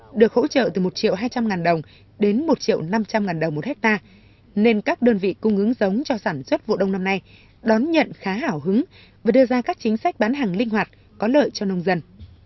được hỗ trợ từ một triệu hai trăm ngàn đồng đến một triệu năm trăm ngàn đồng một héc ta nên các đơn vị cung ứng giống cho sản xuất vụ đông năm nay đón nhận khá hào hứng và đưa ra các chính sách bán hàng linh hoạt có lợi cho nông dân